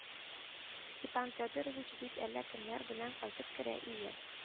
Степан Федорович, дип, әллә кемнәр белән кайтып керә ие